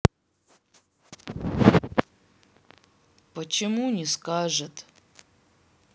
почему не скажет